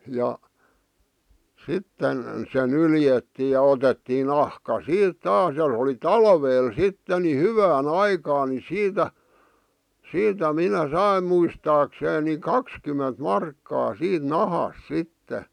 ja sitten se nyljettiin ja otettiin nahka siitä taas ja oli talvella sitten niin hyvään aikaan niin siitä siitä minä sain muistaakseni niin kaksikymmentä markkaa siitä nahasta sitten